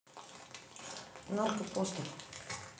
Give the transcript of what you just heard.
нарко постов